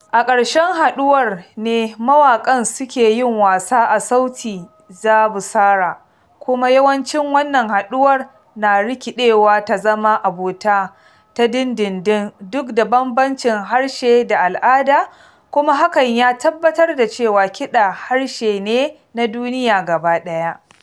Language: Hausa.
A ƙarshen "haɗuwar" ne mawaƙan suke yin wasa a Sauti za Busara kuma yawancin wannan haɗuwar na rikiɗewa ta zama abota ta dindindin duk da bambamcin harshe da al'ada, kuma hakan ya tabbatar da cewa kiɗa harshe ne na duniya gaba ɗaya.